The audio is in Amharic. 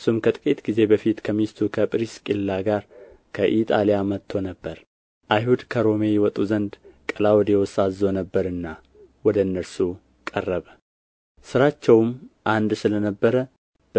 እርሱም ከጥቂት ጊዜ በፊት ከሚስቱ ከጵርስቅላ ጋር ከኢጣልያ መጥቶ ነበር አይሁድ ከሮሜ ይወጡ ዘንድ ቀላውዴዎስ አዞ ነበርና ወደ እነርሱ ቀረበ ሥራቸውም አንድ ስለ ነበረ